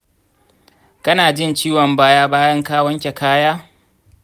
kana jin ciwon baya bayan ka wanke kaya?